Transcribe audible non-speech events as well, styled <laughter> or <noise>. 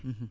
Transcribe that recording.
<hesitation> <hesitation>